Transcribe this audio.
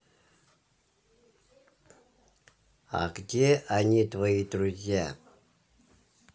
а где они твои друзья